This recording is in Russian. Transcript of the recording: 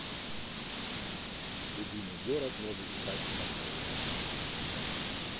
любимый город может стать спать спокойно